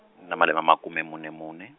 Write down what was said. na malembe makume mune mune.